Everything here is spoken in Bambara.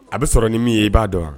A bɛ sɔrɔ ni min ye i b'a dɔn wa